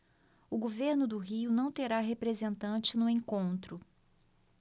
o governo do rio não terá representante no encontro